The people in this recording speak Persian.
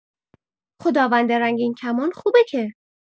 خداوند رنگین‌کمان خوبه که؛